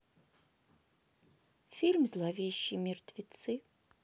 фильм зловещие мертвецы